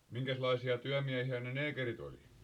minkäslaisia työmiehiä ne neekerit oli